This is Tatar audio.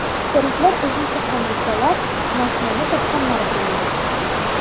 Фәритләр эзли чыккан булсалар, машинаны тапканнардыр инде.